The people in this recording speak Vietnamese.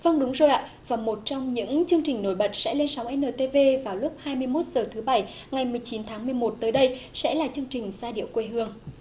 vâng đúng rồi ạ và một trong những chương trình nổi bật sẽ lên sóng en nờ tê vê vào lúc hai mươi mốt giờ thứ bảy ngày mười chín tháng mười một tới đây sẽ là chương trình giai điệu quê hương